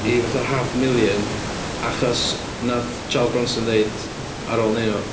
I fatha half a million achos wnaeth Charles Bronson ddeud ar ôl neud nhw...